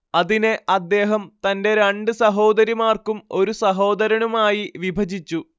അതിനെ അദ്ദേഹം തന്റെ രണ്ടു സഹോദരിമാർക്കും ഒരു സഹോദരനുമായി വിഭജിച്ചു